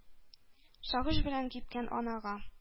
Сагыш белән кипкән анага: